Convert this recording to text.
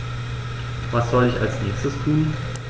Was soll ich als Nächstes tun?